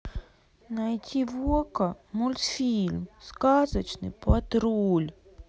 найти в окко мультфильм сказочный патруль